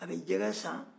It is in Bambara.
a bɛ jɛgɛ san